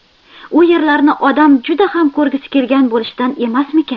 u yerlarni odam juda ham ko'rgisi kelgan bo'lishidan emasmikan